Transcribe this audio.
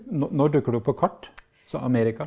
nå når dukker det opp på kart, altså Amerika?